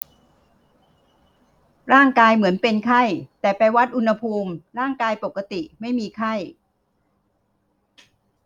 ร่างกายเหมือนเป็นไข้แต่ไปวัดอุณหภูมิร่างกายปกติไม่มีไข้